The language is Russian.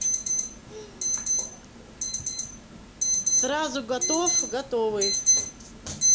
сразу готов готовый